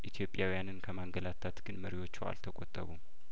ኢትዮጵያውያንን ከማንገላታት ግን መሪዎችዋ አልተቆጠቡም